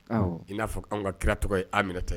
Awɔ, i n'a fɔ anw ka kira tɔgɔ ye Aminata ye.